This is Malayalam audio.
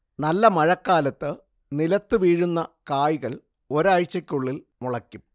നല്ല മഴക്കാലത്തു നിലത്തുവീഴുന്ന കായ്കൾ ഒരാഴ്ചയ്ക്കുള്ളിൽ മുളയ്ക്കും